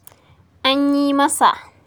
An yi masa…